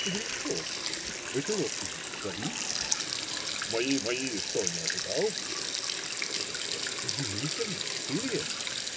- Кудряшов, эти лошади - твои? - Мои, мои! Что, не ожидал? - Удивительно. Ты ли это?